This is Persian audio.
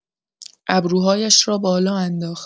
ابروهایش را بالا انداخت.